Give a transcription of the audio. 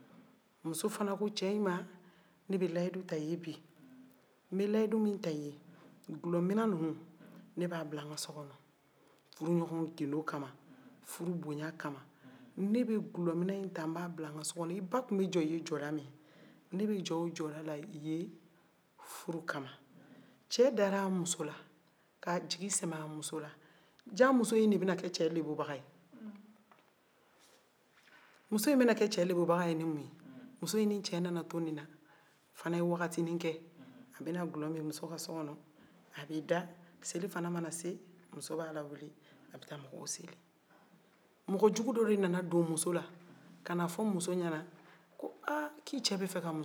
n'bɛ layidu min ta i ye dɔlɔ minɛ ninuw ne bɛ a bla nka so kɔnɔ furu ɲɔgɔn boɲan kama furu boɲan kama ne bɛ dɔlɔ minɛn ta n'bɛ a bila n'ka so kɔnɔ i ba tun bɛ jɔ i ye jɔda min ne bɛ jɔ o jɔda la i ye furu kama cɛ dara a muso la k'a jigi sɛmɛ a muso la jaa muso in de bɛna kɛ a lebubaga ye muso in bɛna kɛ cɛ lebubaga ye ni mun ye muso in ni cɛ in nana to nin na o fana ye wagatinin kɛ a bɛna dɔlɔ min muso ka so kɔnɔ a bɛ i da selifana mana se a bɛ taa mɔgɔw seli mɔgɔjugu dɔ nana don muso la ka n'a fɔ muso ɲɛna ko aa i cɛ bɛ fɛ ka muso wɛrɛ furu dɛ